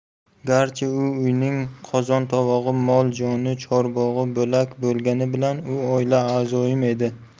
garchi u uyning qozon tovog'i mol joni chorbog'i bo'lak bo'lgani bilan u oila a'zomiz edi